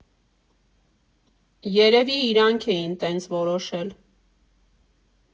Երևի իրանք էին տենց որոշել։